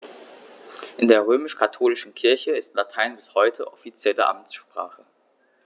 In der römisch-katholischen Kirche ist Latein bis heute offizielle Amtssprache.